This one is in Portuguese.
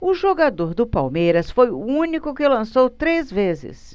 o jogador do palmeiras foi o único que lançou três vezes